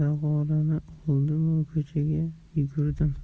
burda zog'orani oldimu ko'chaga yugurdim